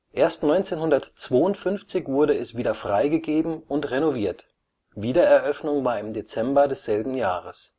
Erst 1952 wurde es wieder freigegeben und renoviert, Wiedereröffnung war im Dezember desselben Jahres